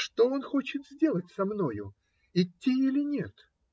Что он хочет сделать со мною? Идти или нет?